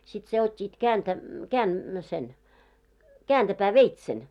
sitten sen ottivat -- sen kääntöpääveitsen